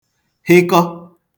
hịkọ